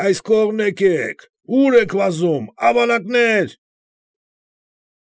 Այս կողմն եկեք, ո՞ւր եք վազում, ավանակնե՜ր։